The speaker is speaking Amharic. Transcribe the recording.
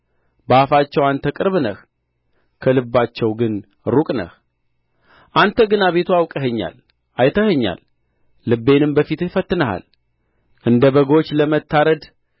በአፋቸው አንተ ቅርብ ነህ ከልባቸው ግን ሩቅ ነህ አንተ ግን አቤቱ አውቀኸኛል አይተኸኛል ልቤንም በፊትህ ፈትነሃል እንደ በጎች ለመታረድ